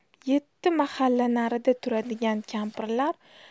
yetti mahalla narida turadigan kampirlar